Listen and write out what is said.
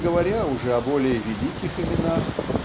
не говоря уже о более великих именах